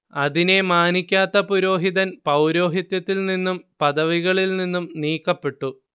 അതിനെ മാനിക്കാത്ത പുരോഹിതൻ പൗരോഹിത്യത്തിൽ നിന്നും പദവികളിൽ നിന്നും നീക്കപ്പെട്ടു